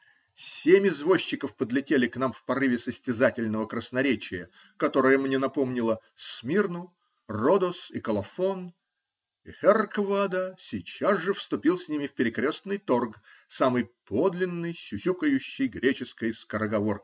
Семь извозчиков подлетели к нам в порыве состязательного красноречия, которое мне напомнило Смирну, Родос и Колофон, и херр Квада сейчас же вступил с ними в перекрестный торг самой подлинной сюсюкающей греческой скороговоркой.